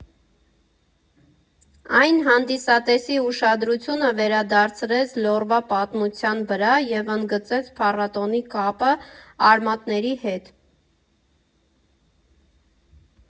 Այն հանդիսատեսի ուշադրությունը վերադարձրեց Լոռվա պատմության վրա և ընդգծեց փառատոնի կապը արմատների հետ։